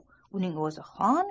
uning o'zi xon